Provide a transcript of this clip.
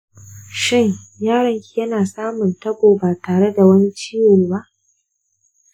shin yaron ki yana samun tabo ba tare da wani ciwo ba?